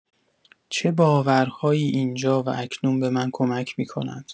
چه باورهایی اینجا و اکنون به من کمک می‌کنند؟